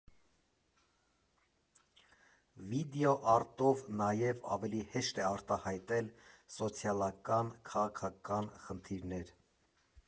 Վիդեոարտով նաև ավելի հեշտ է արտահայտել սոցիալական, քաղաքական խնդիրներ։